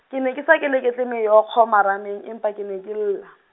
ke ne ke sa keleketle meokgo marameng, empa ke ne ke lla.